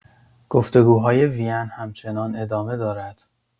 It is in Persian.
گفتگوهای وین همچنان ادامه دارد.